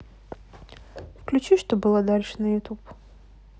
включи что было дальше на ютуб